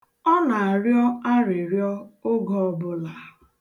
Ọ na-arịọ arịrịọ oge ọbụla.